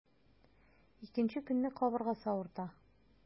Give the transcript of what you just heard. Икенче көнне кабыргасы авырта.